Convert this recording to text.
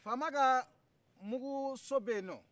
faama ka mungu so bɛ yen nɔ